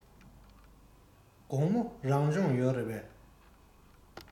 དགོང མོ རང སྦྱོང ཡོད རེད པས